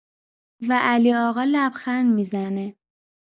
و علی‌آقا لبخند می‌زنه.